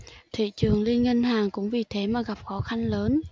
thị trường liên ngân hàng cũng vì thế mà gặp khó khăn lớn